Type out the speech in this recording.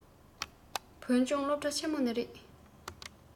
བོད ལྗོངས སློབ གྲྭ ཆེན མོ ནས རེད